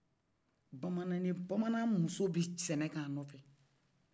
bamanakɛ bamanan muso bɛ sɛnɛg'a nɔ fɛ